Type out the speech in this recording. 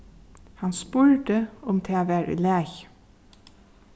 hann spurdi um tað var í lagi